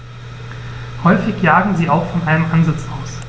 Häufig jagen sie auch von einem Ansitz aus.